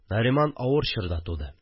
Нариман авыр чорда туды